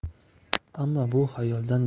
ammo bu xayoldan